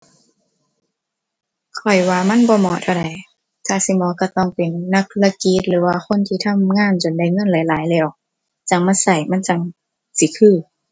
ข้อยว่ามันบ่เหมาะเท่าใด ถ้าสิเหมาะก็ต้องเป็นนักธุรกิจหรือว่าคนที่ทำงานจนได้เงินหลายหลายแล้ว จั่งมาก็ มันจั่งสิคือ